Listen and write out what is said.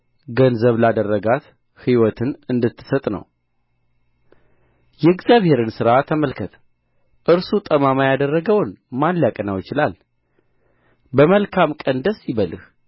ገንዘብ ላደረጋት ሕይወትን እንድትሰጥ ነው የእግዚአብሔርን ሥራ ተመልከት እርሱ ጠማማ ያደረገውን ማን ሊያቀናው ይችላል በመልካም ቀን ደስ ይበልህ